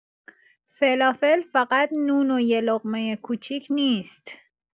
فلافل فقط نون و یه لقمه کوچیک نیست.